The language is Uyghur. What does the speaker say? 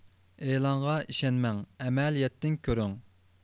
ئېلانغا ئىشەنمەڭ ئەمەلىيەتتىن كۆرۈڭ